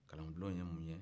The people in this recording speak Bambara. kalanbulon ye mun ye